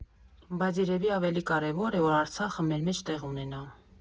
Բայց երևի ավելի կարևոր է, որ Արցախը մեր մեջ տեղ ունենա։